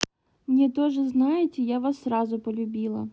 мне тоже знаете я вас сразу полюбила